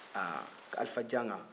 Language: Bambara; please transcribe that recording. ha ko alifa janka